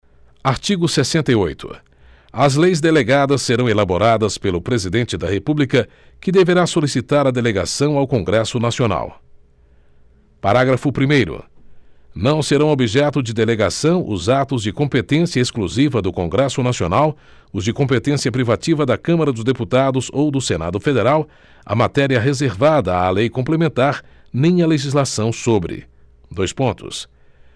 artigo sessenta e oito as leis delegadas serão elaboradas pelo presidente da república que deverá solicitar a delegação ao congresso nacional parágrafo primeiro não serão objeto de delegação os atos de competência exclusiva do congresso nacional os de competência privativa da câmara dos deputados ou do senado federal a matéria reservada à lei complementar nem a legislação sobre dois pontos